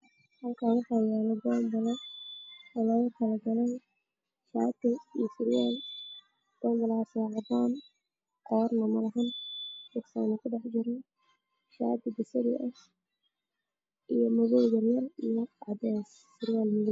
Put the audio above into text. Halkan waxaa yaalo pompolo oo ku jiro shaati cadaan ah waxaa ka dambeeyo darbi cadaan ah